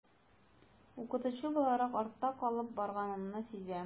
Укытучы буларак артта калып барганымны сизәм.